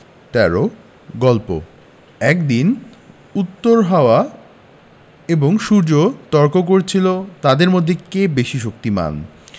১৩ গল্প একদিন উত্তর হাওয়া এবং সূর্য তর্ক করছিল তাদের মধ্যে কে বেশি শক্তিমান